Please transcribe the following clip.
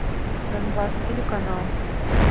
донбасс телеканал